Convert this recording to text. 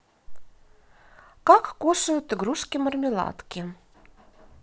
как кушают игрушки мармеладки